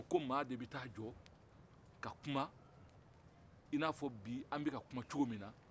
ko mɔgɔ de bɛ taa jɔ ka kuman i n'a fɔ bi an bɛ ka kauman cogom min na